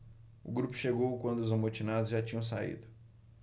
o grupo chegou quando os amotinados já tinham saído